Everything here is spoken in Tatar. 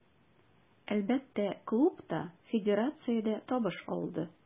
Әлбәттә, клуб та, федерация дә табыш алды.